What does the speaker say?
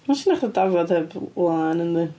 Ma' jyst yn edrych fel dafad heb lân, yndi.